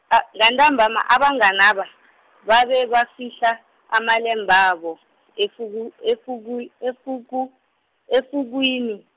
a- ngantambama abanganaba , babebafihla, amalembabo, efuku- efukuw- efuku- efukwini.